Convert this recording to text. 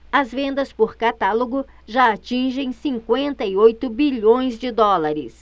as vendas por catálogo já atingem cinquenta e oito bilhões de dólares